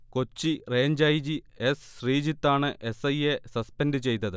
Kochi range I. G., S. ശ്രീജിത്താണ് S. ഐയെ suspend ചെയ്തത്